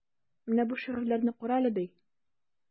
Менә бу шигырьләрне карале, ди.